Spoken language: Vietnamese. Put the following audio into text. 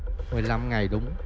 mười năm ngày đúng